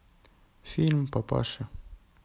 фильм папаши